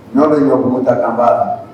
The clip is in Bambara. N' de ɲɔ kun ta' b'a la